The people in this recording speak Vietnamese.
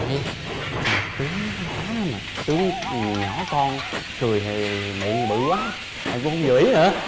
thấy sao tướng tá mà tướng nhỏ con cười thì miệng bự quá em cũng hông vừa ý nữa